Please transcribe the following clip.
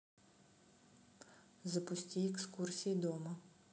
запусти экскурсии дома